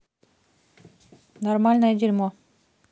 нормальное дерьмо